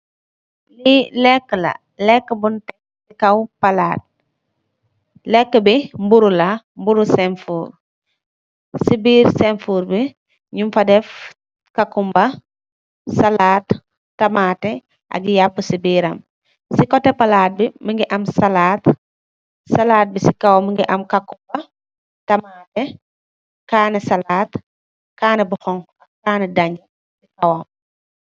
Lii leekë la, leekë buñg tek si kow palaat, leekë bi, mburu la, mburu sén fuur. Si biir sén fuur bi, ñung fa def kakumba, salaat, tamaate ak yaapu si biram. Si koteh palaat bi, mu ngi salad, salad bi mu ngi am kakumba, tamaate, kaané salaat, kaané bu xoñxu.